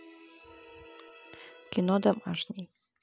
кино домашний